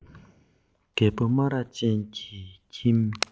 རྒད པོ སྨ ར ཅན གྱི ཁྱིམ